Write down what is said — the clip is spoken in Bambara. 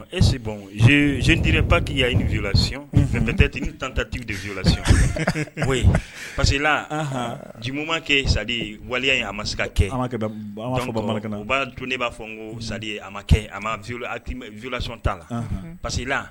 Esi bɔn z zt pa kkii'ailasi fɛn fɛn tɛ tanta tigi deilasi ko pasila ji ɲumanuma kɛ sa waliya ye a ma se ka kɛba u b'a dun ne b'a fɔ n ko sadi ye a ma kɛ a ma vlation t taa la parcesila